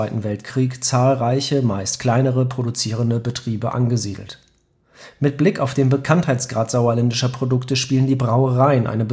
Weltkrieg zahlreiche meist kleinere produzierende Betriebe angesiedelt. Mit Blick auf den Bekanntheitsgrad sauerländischer Produkte spielen die Brauereien eine